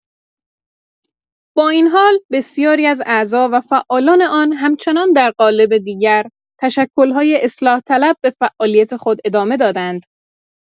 با این حال، بسیاری از اعضا و فعالان آن همچنان در قالب دیگر تشکل‌های اصلاح‌طلب به فعالیت خود ادامه دادند.